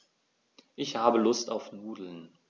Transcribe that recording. Ich habe Lust auf Nudeln.